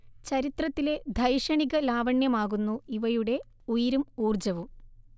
ചരിത്രത്തിന്റെ ധൈഷണിക ലാവണ്യമാകുന്നു ഇവയുടെ ഉയിരും ഊർജ്ജവും